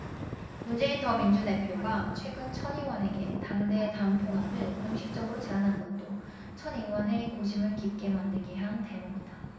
문재인 더민주 대표가 최근 천 의원에게 당대 당 통합을 공식적으로 제안한 것도 천 의원의 고심을 깊어 만들게 한 대목이다